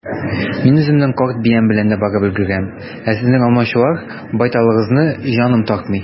Мин үземнең карт биям белән дә барып өлгерәм, ә сезнең алмачуар байталыгызны җаным тартмый.